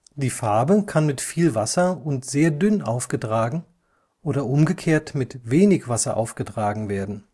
Die Farbe kann mit viel Wasser und sehr dünn aufgetragen oder umgekehrt mit wenig Wasser aufgetragen werden